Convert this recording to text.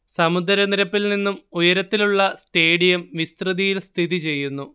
സമുദ്ര നിരപ്പിൽ നിന്നും ഉയരത്തിലുള്ള സ്റ്റേഡിയം വിസ്തൃതിയിൽ സ്ഥിതിചെയ്യുന്നു